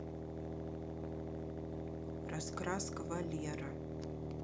раскраска валера